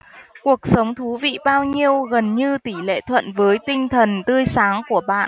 cuộc sống thú vị bao nhiêu gần như tỷ lệ thuận với tinh thần tươi sáng của bạn